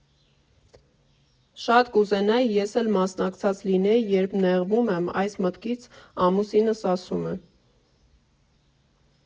Շատ կուզենայի ես էլ մասնակցած լինեի, երբ նեղվում եմ այս մտքից, ամուսինս ասում է.